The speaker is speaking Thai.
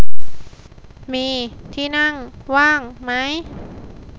มีที่นั่งว่างไหม